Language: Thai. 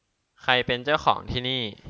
ใครเป็นเจ้าของที่นี่